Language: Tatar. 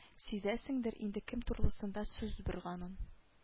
Сизәсендер инде кем турлысында сүз барганын